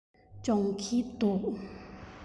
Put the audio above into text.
སྦྱོང གི འདུག